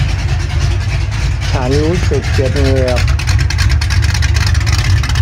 ฉันรู้สึกเจ็บเหงือก